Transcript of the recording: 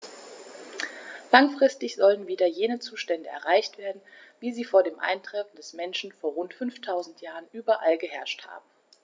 Langfristig sollen wieder jene Zustände erreicht werden, wie sie vor dem Eintreffen des Menschen vor rund 5000 Jahren überall geherrscht haben.